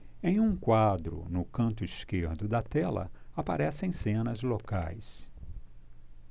em um quadro no canto esquerdo da tela aparecem cenas locais